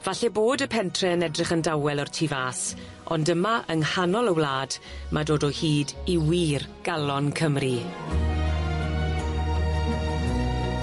Falle bod y pentre yn edrych yn dawel o'r tu fas ond yma yng nghanol y wlad ma' dod o hyd i wir galon Cymru.